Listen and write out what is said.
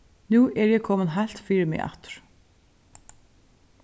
nú eri eg komin heilt fyri meg aftur